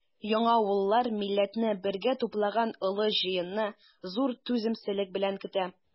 Яңавыллар милләтне бергә туплаган олы җыенны зур түземсезлек белән көтә.